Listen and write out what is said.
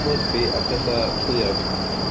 Petha fluffy a petha pluog.